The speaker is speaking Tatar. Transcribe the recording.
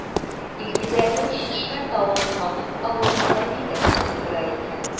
Илгизәрнең Чишмә тавын танып алуын әби дә күреп тора икән.